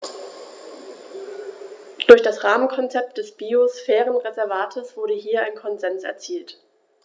Durch das Rahmenkonzept des Biosphärenreservates wurde hier ein Konsens erzielt.